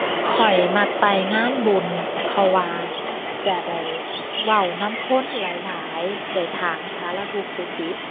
ข้อยมักไปงานบุญ เพราะว่าจะได้เว้านำคนหลายหลาย ได้ถามสารทุกข์สุกดิบ